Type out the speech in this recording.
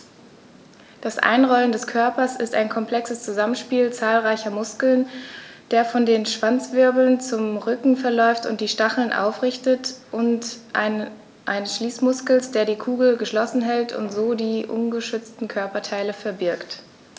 Das Einrollen des Körpers ist ein komplexes Zusammenspiel zahlreicher Muskeln, der von den Schwanzwirbeln zum Rücken verläuft und die Stacheln aufrichtet, und eines Schließmuskels, der die Kugel geschlossen hält und so die ungeschützten Körperteile verbirgt.